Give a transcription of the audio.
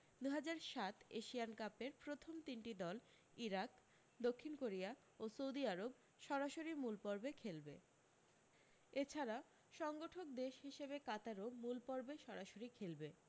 দু হাজার সাত এশিয়ান কাপের প্রথম তিনটি দল ইরাক দক্ষিণ কোরিয়া ও সৌদি আরব সরাসরি মূলপর্বে খেলবে এছাড়া সংগঠক দেশ হিসাবে কাতারও মূলপর্বে সরাসরি খেলবে